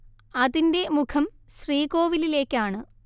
അതിന്റെ മുഖം ശ്രീകോവിലിലേക്കാണ്‌‍